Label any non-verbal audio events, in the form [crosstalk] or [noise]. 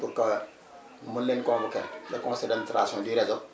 pour que mu mën leen convoqué [crosstalk] le conseil d' administration du Resop